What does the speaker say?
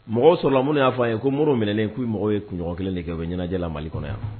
Mɔgɔ sɔrɔ mun y'a a ye ko mori minɛlen' mɔgɔ ye kunɲɔgɔn kelen de kɛ ɲɛnajɛ mali kɔnɔ yan